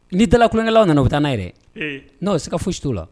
N'i taara kukɛlaw nana u taa'a yɛrɛ n'aw ye se ka foyi si' o la